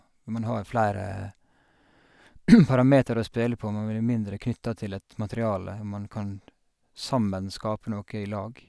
Når man har flere parametere å spille på, man blir mindre knytta til et materiale, man kan sammen skape noe i lag.